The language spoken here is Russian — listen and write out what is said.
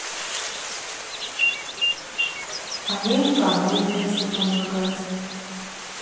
а я никому не хочу помогать